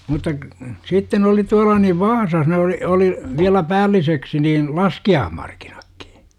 mutta - sitten oli tuolla niin Vaasassa ne oli oli vielä päälliseksi niin laskiaismarkkinatkin